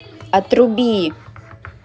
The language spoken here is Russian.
отруби